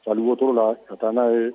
Salibot la ka taa n'a ye